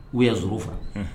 U ye sz faga